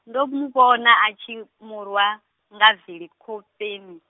ndo muvhona a tshi, murwa, nga vili khofheni.